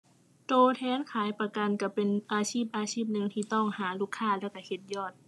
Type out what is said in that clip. ตัวแทนขายประกัน ตัวเป็นอาชีพอาชีพหนึ่งที่ต้องหาลูกค้าแล้วตัวเฮ็ดยอด